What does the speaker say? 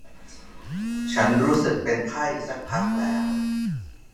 ฉันรู้สึกเป็นไข้สักพักแล้ว